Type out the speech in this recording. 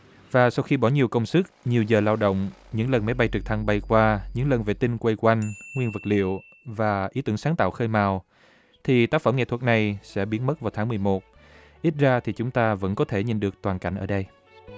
và sau khi bỏ nhiều công sức nhiều giờ lao động những lần máy bay trực thăng bay qua những lần vệ tinh quay quanh nguyên vật liệu và ý tưởng sáng tạo khơi mào thì tác phẩm nghệ thuật này sẽ biến mất vào tháng mười một ít ra thì chúng ta vẫn có thể nhìn được toàn cảnh ở đây